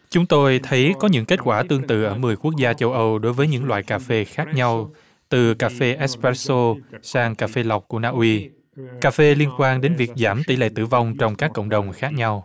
chúng tôi thấy có những kết quả tương tự ở mười quốc gia châu âu đối với những loại cà phê khác nhau từ cà phê ích pen sô sang cà phê lộc của na uy cà phê liên quan đến việc giảm tỷ lệ tử vong trong các cộng đồng khác nhau